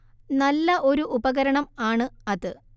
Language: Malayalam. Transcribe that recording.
നല്ല ഒരു ഉപകരണം ആണ് അത്